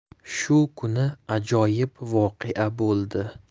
shu kuni ajoyib voqea bo'ldi